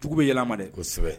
Dugu bɛ yɛlɛma dɛ kosɛbɛ